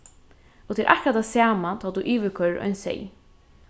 og tað er akkurát tað sama tá tú yvirkoyrir ein seyð